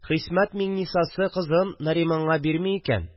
– хисмәт миңнисасы кызын нариманга бирми икән